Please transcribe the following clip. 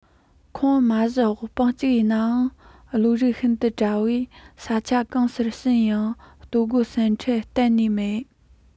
ཁོང མ གཞི དབུལ ཕོངས ཅིག ཡིན ནའང བློ རིག ཤིན ཏུ བཀྲ བས ས ཆ གང སར ཕྱིན ཡང ལྟོ གོས སེམས ཁྲལ གཏན ནས མེད